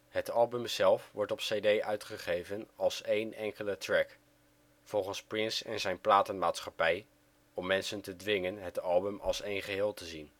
Het album zelf wordt op cd uitgegeven als één enkele track, volgens Prince en zijn platenmaatschappij om mensen te dwingen het album als één geheel te zien